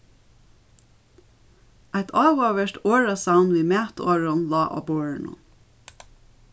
eitt áhugavert orðasavn við matorðum lá á borðinum